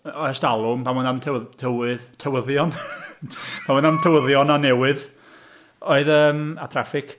o ers talwm pan oedd 'na'm tywyddi- tywydd, tywyddion ... Pan oedd 'na'm tywyddion a newydd oedd yym... a traffig.